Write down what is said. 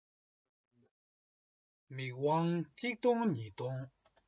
མིག དབང གཅིག ལྡོངས གཉིས ལྡོངས